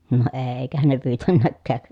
no eikähän ne pyytäneetkään